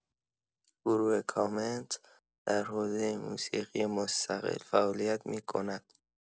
گروه کامنت در حوزه موسیقی مستقل فعالیت می‌کند.